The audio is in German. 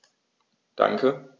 Danke.